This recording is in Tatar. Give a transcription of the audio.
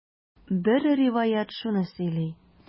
Бер риваять шуны сөйли.